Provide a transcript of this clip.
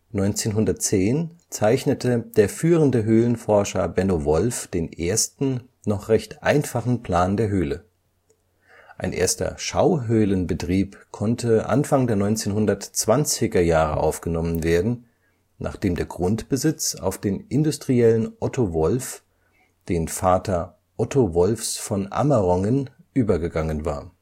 1910 zeichnete der führende Höhlenforscher Benno Wolf den ersten, noch recht einfachen Plan der Höhle. Ein erster Schauhöhlenbetrieb konnte Anfang der 1920er-Jahre aufgenommen werden, nachdem der Grundbesitz auf den Industriellen Otto Wolff, den Vater Otto Wolffs von Amerongen, übergegangen war